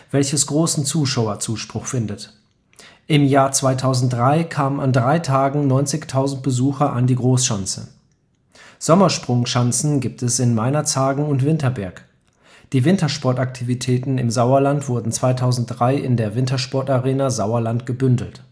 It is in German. welches großen Zuschauerzuspruch findet; im Jahr 2003 kamen an drei Tagen 90.000 Besucher an die Großschanze. Sommersprungschanzen gibt es in Meinerzhagen und Winterberg. Die Wintersport-Aktivitäten im Sauerland wurden 2003 in der Wintersport-Arena Sauerland gebündelt